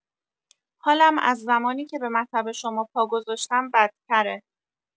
حالم از زمانی که به مطب شما پا گذاشتم بدتره.